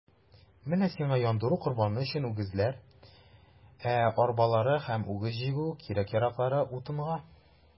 Менә сиңа яндыру корбаны өчен үгезләр, ә арбалары һәм үгез җигү кирәк-яраклары - утынга.